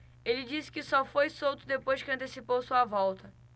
ele disse que só foi solto depois que antecipou sua volta